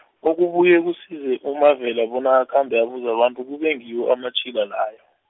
okubuye kusize uMavela bona akhambe abuza abantu kube ngiwo amatjhila layo.